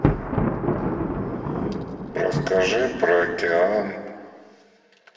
расскажи про океан